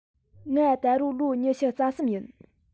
ང ད ལོ ལོ ཉི ཤུ རྩ གསུམ ཡིན